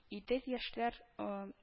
“идел” яшьләр